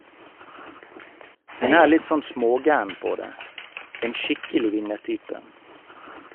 Hun er litt sånn smågæren på det, en skikkelig vinnertype.